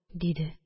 Диде